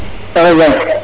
Maxey no jam,